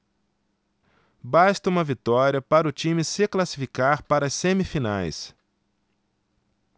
basta uma vitória para o time se classificar para as semifinais